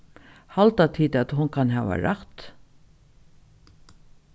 halda tit at hon kann hava rætt